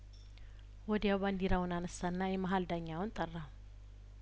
ወዲያው ባንዲራውን አነሳና የመሀል ዳኛውን ጠራው